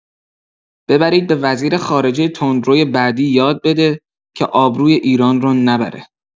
ببرید به وزیر خارجه تندروی بعدی یاد بده که آبروی ایران رو نبره